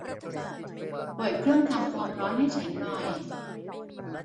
เปิดเครื่องทำความร้อนให้ฉันหน่อย